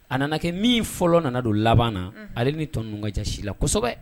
A nana kɛ min fɔlɔ nana don laban na ale ni tɔn ka ja si la kosɛbɛ